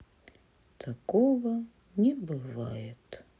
такого не бывает